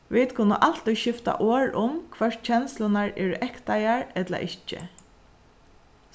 vit kunnu altíð skifta orð um hvørt kenslurnar eru ektaðar ella ikki